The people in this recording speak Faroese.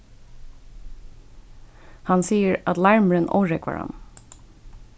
hann sigur at larmurin órógvar hann